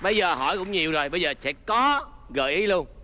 bây giờ hỏi cũng nhiều rồi bây giờ sẽ có gợi ý luôn